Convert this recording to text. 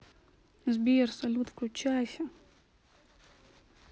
сбер салют выключайся